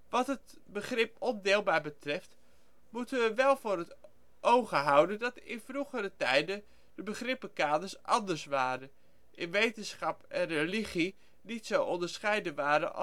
Wat het begrip ondeelbaar betreft, moeten we wel voor ogen houden dat in vroegere tijden de begrippenkaders anders waren, en wetenschap en religie niet zo onderscheiden waren